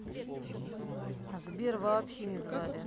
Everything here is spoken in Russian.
а сбера вообще не звали